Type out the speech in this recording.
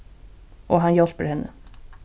og hann hjálpir henni